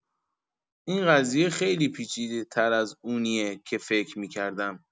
این قضیه خیلی پیچیده‌تر از اونیه که فکر می‌کردم.